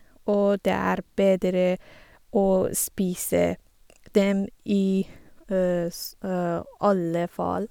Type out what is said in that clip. Og det er bedre å spise dem i s alle fall.